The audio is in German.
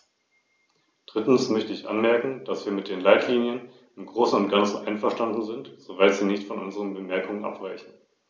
Die Umsetzung ist gegenwärtig insbesondere in kleinen Betrieben mit Schwierigkeiten verbunden, denn sie können sich eine solche Stelle nicht leisten.